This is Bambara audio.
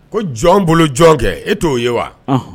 Ko jɔn bolo jɔn kɛ e t'o ye wa